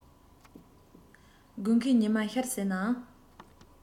དགུན ཁའི ཉི མ ཤར ཟིན ན འང